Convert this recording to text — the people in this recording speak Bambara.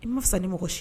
I ma fisa ni mɔgɔ si